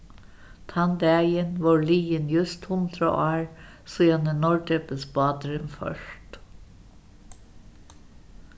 tann dagin vóru liðin júst hundrað ár síðani norðdepilsbáturin fórst